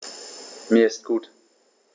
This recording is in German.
Mir ist gut.